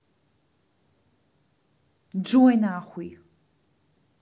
джой нахуй